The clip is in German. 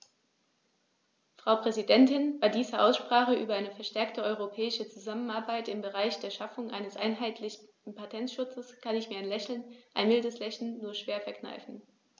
Frau Präsidentin, bei dieser Aussprache über eine verstärkte europäische Zusammenarbeit im Bereich der Schaffung eines einheitlichen Patentschutzes kann ich mir ein Lächeln - ein mildes Lächeln - nur schwer verkneifen.